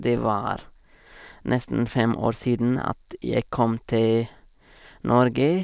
Det var nesten fem år siden at jeg kom til Norge.